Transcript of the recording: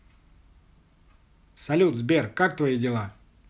салют сбер как твои дела